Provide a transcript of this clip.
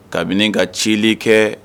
Kabini ka cili kɛ